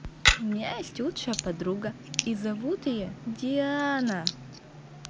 у меня есть лучшая подруга и ее зовут диана